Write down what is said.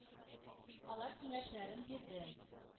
Алар киңәшләрен бирде,